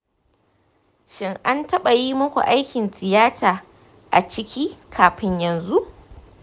shin an taɓa yi muku aikin tiyata a ciki kafin yanzu?